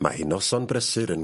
Mae hi noson brysur yn...